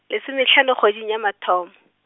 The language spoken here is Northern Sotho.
lesomehlano kgweding ya mathomo.